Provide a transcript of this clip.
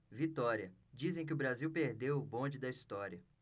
vitória dizem que o brasil perdeu o bonde da história